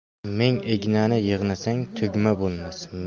ming ignani yig'nasang tugma bo'lmas